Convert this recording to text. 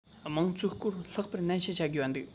དམངས གཙོའི སྐོར ལྷག པར ནན བཤད བྱ དགོས པ འདུག